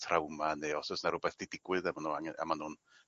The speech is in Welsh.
trawma neu os o's 'na rwbeth 'di digwydd efo n'w angen a ma' nw'n